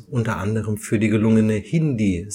unter anderem für die gelungene Hindi-Synchronisation